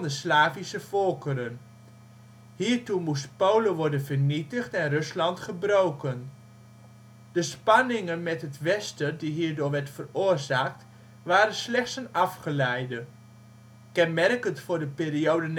Slavische volkeren. Hiertoe moest Polen worden vernietigd en Rusland gebroken. De spanningen met het Westen die hierdoor werden veroorzaakt waren slechts een afgeleide. Kenmerkend voor de periode